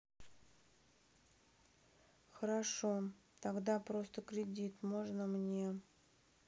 хорошо тогда просто кредит можно мне